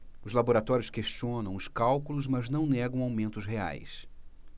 os laboratórios questionam os cálculos mas não negam aumentos reais